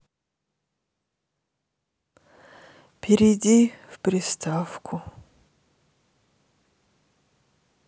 перейди в приставку